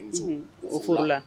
O furula